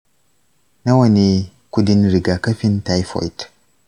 nawa ne kudin rigakafin taifoid?